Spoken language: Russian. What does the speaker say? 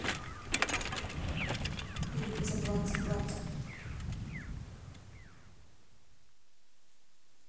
ибица двадцать двадцать